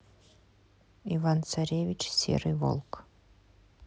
иван царевич серый волк